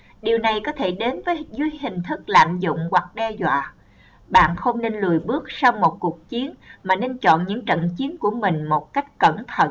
điều này có thể đến dưới hình thức lạm dụng hoặc đe dọa bạn không nên lùi bước sau một cuộc chiến mà nên chọn những trận chiến của mình một cách cẩn thận